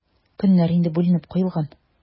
Көннәр инде бүленеп куелган.